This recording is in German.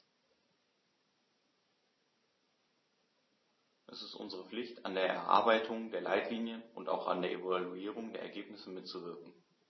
Es ist unsere Pflicht, an der Erarbeitung der Leitlinien und auch an der Evaluierung der Ergebnisse mitzuwirken.